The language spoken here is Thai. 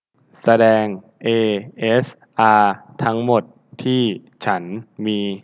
แสดงเอเอสอาทั้งหมดที่ฉันมี